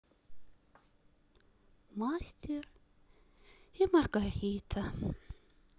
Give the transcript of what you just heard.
мастер и маргарита